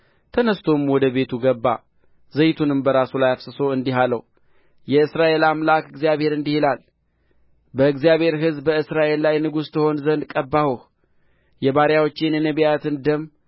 ተነሥቶም ወደ ቤቱ ገባ ዘይቱንም በራሱ ላይ አፍስሶ እንዲህ አለው የእስራኤል አምላክ እግዚአብሔር እንዲህ ይላል በእግዚአብሔር ሕዝብ በእስራኤል ላይ ንጉሥ ትሆን ዘንድ ቀባሁህ የባሪያዎቼን የነቢያትን ደም